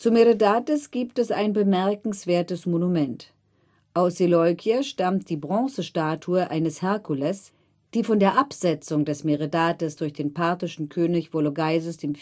Meredates gibt es ein bemerkenswertes Monument. Aus Seleukia stammt die Bronzestatue eines Herkules, die von der Absetzung des Meredates durch den parthischen König Vologaeses IV. im